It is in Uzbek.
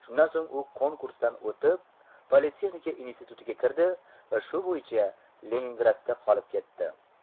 shundan so'ng u konkursdan o'tib politexnika institutiga kirdi va shu bo'yicha leningradda qolib ketdi